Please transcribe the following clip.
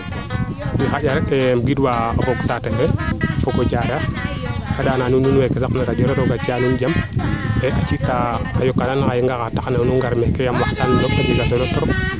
i xanja rek ngind ma o fog saatew fe fogo Diarekh xanda na nuun nuun we saq na o radio le rooga ciya nuun jam ci ta a yoka na nuun xa yengaxa tax na nu ngar meeke yaam waxtaan le koy a jega solo trop